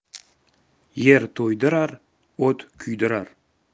yer to'ydirar o't kuydirar